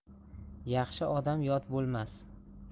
yaxshi odam yot bo'lmas